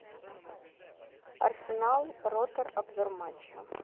арсенал ротор обзор матча